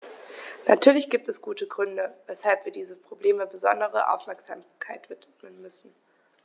Natürlich gibt es gute Gründe, weshalb wir diesem Problem besondere Aufmerksamkeit widmen müssen.